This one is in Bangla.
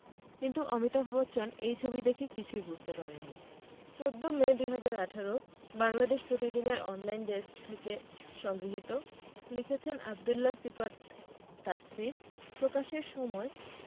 কিন্তু অমিতাভ বচ্চন এই ছবিটি দেখে কিছুই বুঝতে পারেননি ১৪মে ২০১৮ বাংলাদেশ প্রতিদিন এর অনলাইন ডেস্ক থেকে সংগৃহীত লিখেছেনঃ আব্দুল্লাহ সিফাত তাফসীর প্রকাশের সময়